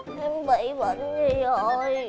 em bị bệnh gì rồi